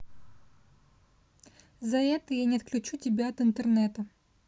за это я не отключу тебя от интернета